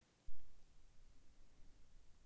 алиса игра